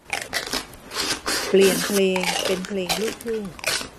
เปลี่ยนเพลงเป็นเพลงลูกทุ่ง